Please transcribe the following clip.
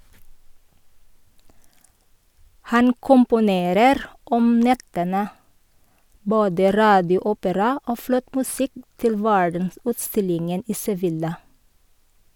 Han komponerer om nettene - både radioopera og flott musikk til verdensutstillingen i Sevilla.